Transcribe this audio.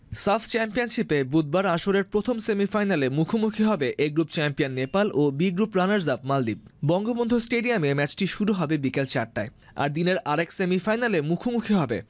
সাফ চ্যাম্পিয়নশিপে বুধবার আসরের প্রথম সেমিফাইনালে কি হবে এ গ্রুপ চ্যাম্পিয়ন নেপাল ও বি গ্রুপ রানার্সআপ মালদ্বীপ বঙ্গবন্ধু স্টেডিয়ামে ম্যাচটি শুরু হবে বিকেল চারটায় আর দিনের আরেক সেমিফাইনালে মুখোমুখি হবে